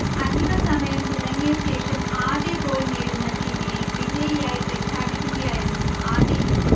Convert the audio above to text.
അധിക സമയം തുടങ്ങിയ ശേഷം ആദ്യ ഗോൾ നേടുന്ന ടീമിനെ വിജയിയായി പ്രഖ്യാപിക്കുകയായിരുന്നു ആദ്യ രീതി